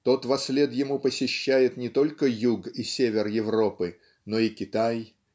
тот вослед ему посещает не только юг и север Европы но и Китай